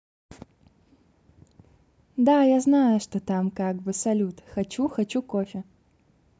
да я знаю что там как бы салют хочу хочу кофе